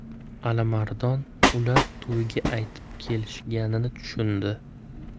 alimardon ular to'yga aytib kelishganini tushundi